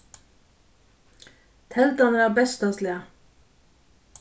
teldan er av besta slag